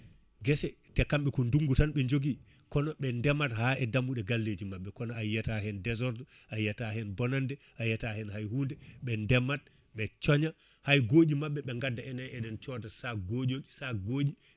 guessa te kamɓe ko nduggu tan ɓe jogui kono ɓe ndemat ha daamuɗe galleji mabɓe kono a yiyata hen désordre ayiyata hen bonande a yiyata hen hya hunde ɓe ndemata ɓe cooña hay goƴi mabɓe ɓe gadda enen ene cooda sac goƴol sac goƴi